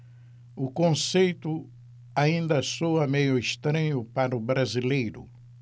o conceito ainda soa meio estranho para o brasileiro